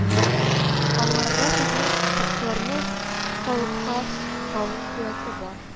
Аңарда сүзне, фактларны калыпка салу куәте бар